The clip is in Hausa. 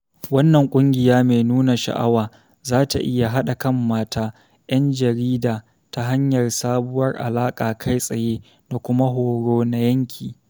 Wannan ƙungiya mai nuna sha'awa za ta iya haɗa kan mata 'yan jarida ta hanyar sabuwar alaƙa kai-tsaye da kuma horo na yanki.